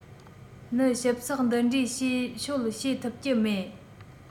ནི ཞིབ ཚགས འདི འདྲའི འབྱེད ཕྱོད བྱེད ཐུབ ཀྱི མེད